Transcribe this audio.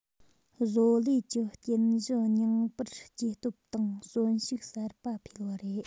བཟོ ལས ཀྱི རྟེན གཞི རྙིང པར སྐྱེ སྟོབས དང གསོན ཤུགས གསར པ འཕེལ བ རེད